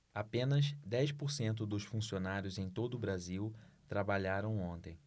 apenas dez por cento dos funcionários em todo brasil trabalharam ontem